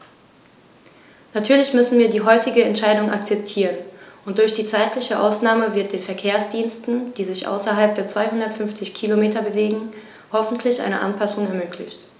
Natürlich müssen wir die heutige Entscheidung akzeptieren, und durch die zeitliche Ausnahme wird den Verkehrsdiensten, die sich außerhalb der 250 Kilometer bewegen, hoffentlich eine Anpassung ermöglicht.